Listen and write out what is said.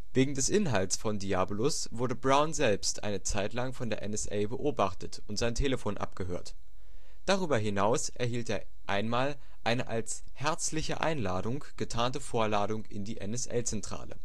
Wegen des Inhalts von Diabolus wurde Brown selbst eine Zeit lang von der NSA beobachtet und sein Telefon abgehört. Darüber hinaus erhielt er einmal eine als „ herzliche Einladung “getarnte Vorladung in die NSA-Zentrale